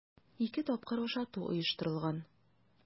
Ике тапкыр ашату оештырылган.